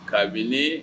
Kabini